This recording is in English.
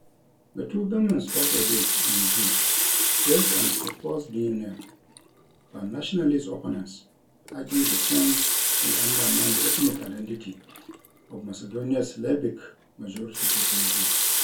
The two governments struck a deal in June based on the proposed new name, but nationalist opponents argue the change would undermine the ethnic identity of Macedonia's Slavic majority population.